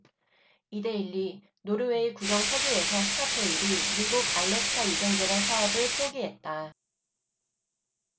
이데일리 노르웨이 국영석유회사 스타토일이 미국 알래스카 유전개발 사업을 포기했다